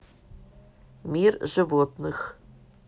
мир животных